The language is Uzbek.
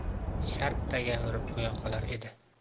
shartta gapirib qo'ya qolar edi